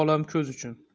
olam ko'z uchun